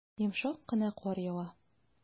Йомшак кына кар ява.